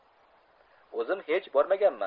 o'zim hech bormaganman